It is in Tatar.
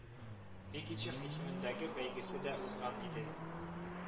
Бигичев исемендәге бәйгесе дә узган иде